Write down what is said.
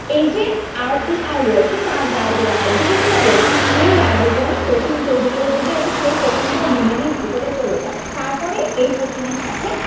এই যে R E R রয়েছে তার গায়ে যে রাইবোজোম রয়েছে সে রাইবোজোম প্রোটিন তৈরি করে দিবে এবং সে প্রোটিন টা লুমেন এর ভেতরে চলে যাবে তারপরে প্রোটিনের সাথে